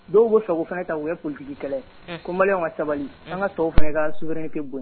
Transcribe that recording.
Dɔw bɛ fɛ k'o fana k'o kɛ politique kɛlɛ ye, ko miliyɛnw ka sabali, an ka tɔw fana ka souveraineté bonya